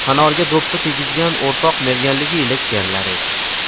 fanorga do'ppi kiygizgan o'rtoq merganligi ila kerilar edi